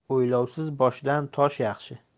o'ylovsiz boshdan tosh yaxshi